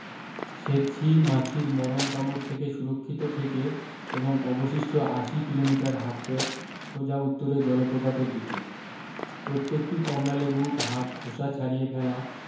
সেতসী মাছির মারণ কামড় থেকে সুরক্ষিত থেকে এবং অবশিষ্ট আশি কিলোমিটার হাঁটত সোজা উত্তরে জলপ্রপাতের দিকে প্রত্যেকটি কমলালেবু ভাগ খোসা ছাড়িয়ে ফেলা